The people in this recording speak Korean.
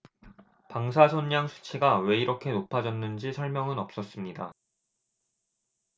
방사선량 수치가 왜 이렇게 높아졌는지 설명은 없었습니다